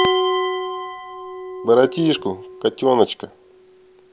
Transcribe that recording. братишку котеночка